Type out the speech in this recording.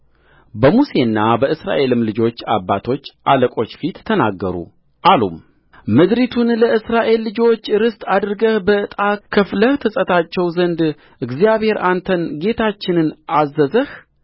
በሙሴና በእስራኤልም ልጆች አባቶች አለቆች ፊት ተናገሩአሉም ምድሪቱን ለእስራኤል ልጆች ርስት አድርገህ በዕጣ ከፍለህ ትሰጣቸው ዘንድ እግዚአብሔር አንተን ጌታችንን አዘዘህ